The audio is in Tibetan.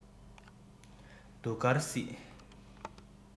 གདུགས དཀར སྐྱིད